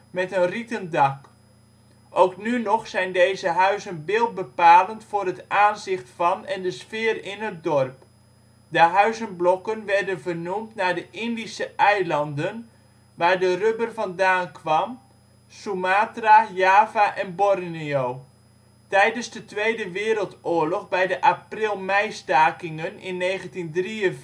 met een rieten dak. Ook nu nog zijn deze huizen beeldbepalend voor het aanzicht van en de sfeer in het dorp. De huizenblokken werden vernoemd naar de Indische eilanden waar de rubber vandaan kwam: Sumatra, Java en Borneo. Tijdens de Tweede Wereldoorlog bij de April-meistakingen in 1943